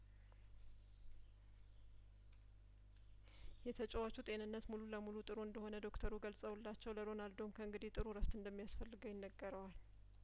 የተጫዋቹ ጤንነት ሙሉ ለሙሉ ጥሩ እንደሆነ ዶክተሩ ገልጸውላቸው ለሮናልዶም ከእንግዲህ ጥሩ እረፍት እንደሚያስፈልገው ይነገረዋል